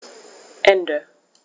Ende.